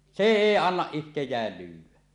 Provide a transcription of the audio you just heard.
se ei anna itseään lyödä